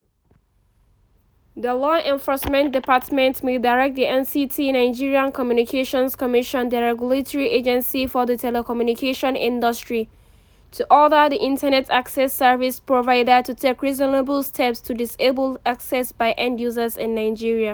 The Law Enforcement Department may direct the NCC [Nigerian Communications Commission – the regulatory agency for the telecommunication industry] to order the internet access service provider to take reasonable steps to disable access by end-users in Nigeria.